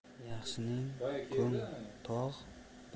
yaxshining ko'ngh tog'